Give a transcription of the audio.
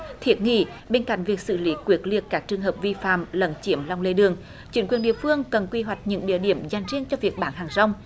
thiết nghỉ bên cạnh việc xử lý quyết liệt các trường hợp vi phạm lấn chiếm lòng lề đường chính quyền địa phương cần quy hoạch những địa điểm dành riêng cho việc bán hàng rong